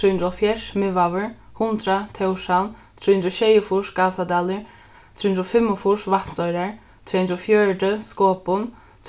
trý hundrað og hálvfjerðs miðvágur hundrað tórshavn trý hundrað og sjeyogfýrs gásadalur trý hundrað og fimmogfýrs vatnsoyrar tvey hundrað og fjøruti skopun